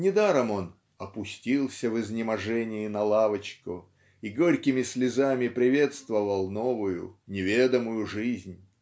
недаром он "опустился в изнеможении на лавочку и горькими слезами приветствовал новую неведомую жизнь